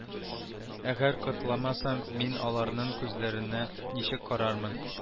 Әгәр котламасам мин аларның күзләренә ничек карармын